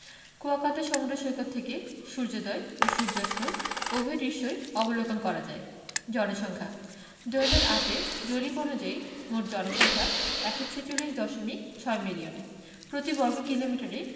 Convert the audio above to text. কুয়াকাটা সমুদ্র সৈকত থেকে সূর্যোদয় ও সূর্যাস্ত উভয় দৃশ্যই অবলোকন করা যায় জনসংখ্যাঃ ২০০৮ এর জরিপ অনুযায়ী মোট জনসংখ্যা ১৪৬দশমিক ৬ মিলিয়ন প্রতি বর্গ কিলোমিটারে